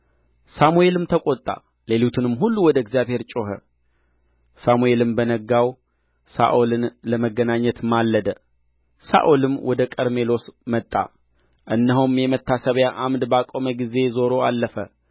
ሳሙኤልም ተቈጣ ሌሊቱንም ሁሉ ወደ እግዚአብሔር ጮኸ ሳሙኤልም በነጋው ሳኦልን ለመገናኘት ማለደ ሳኦልም ወደ ቀርሜሎስ መጣ እነሆም የመታሰቢያ ዓምድ ባቆመ ጊዜ ዞሮ አለፈ